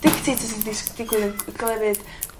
Dictators yn dis- digwydd yn g- glefydd...